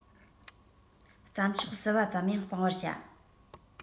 རྩྭ མཆོག ཟིལ པ ཙམ ཡང སྤང བར བྱ